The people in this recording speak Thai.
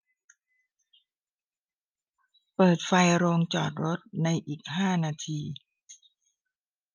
เปิดไฟโรงจอดรถในอีกห้านาที